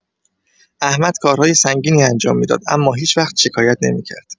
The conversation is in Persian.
احمد کارهای سنگینی انجام می‌داد، اما هیچ‌وقت شکایت نمی‌کرد.